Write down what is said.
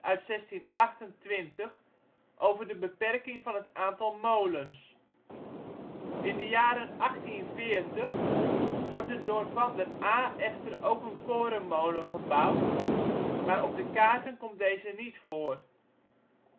uit 1628 over de beperking van het aantal molens. In de jaren 1840 wordt er door Van der Aa echter ook een korenmolen genoemd, maar op de kaarten komt deze niet voor.